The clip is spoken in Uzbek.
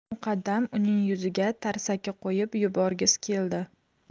muqaddam uning yuziga tarsaki qo'yib yuborgis keldi